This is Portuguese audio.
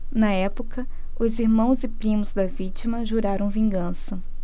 na época os irmãos e primos da vítima juraram vingança